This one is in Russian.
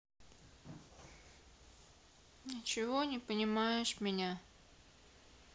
ничего не понимаешь меня